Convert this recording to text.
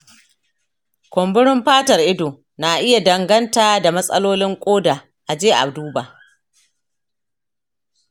kumburin fatar ido na iya danganta da matsalolin ƙoda; a je a duba.